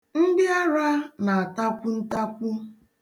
Ndị ara na-atakwu ntakwu.